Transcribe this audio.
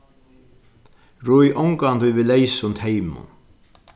ríð ongantíð við leysum teymum